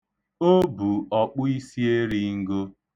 O bu ọkpụisieringo.